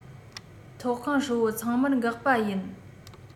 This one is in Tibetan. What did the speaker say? ཐོག ཁང ཧྲིལ བོ ཚང མར འགག པ ཡིན